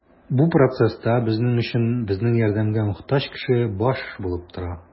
Бу процесста безнең өчен безнең ярдәмгә мохтаҗ кеше баш булып тора.